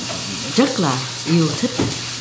rất là yêu thứt